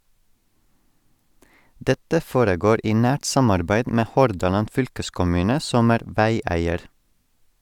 Dette foregår i nært samarbeid med Hordaland Fylkeskommune som er vegeier.